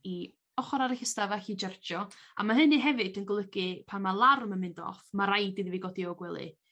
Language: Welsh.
...i ochor arall y stafell i jarjio a ma' hynny hefyd yn golygu pan ma' larmwm yn mynd off ma' raid iddi fi godi o gwely